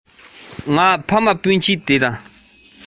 རོལ བ ལྟ བུར གྱུར འདུག